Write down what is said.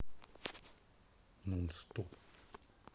non stop